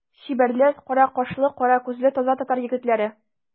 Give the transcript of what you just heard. Чибәрләр, кара кашлы, кара күзле таза татар егетләре.